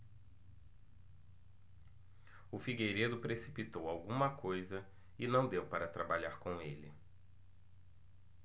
o figueiredo precipitou alguma coisa e não deu para trabalhar com ele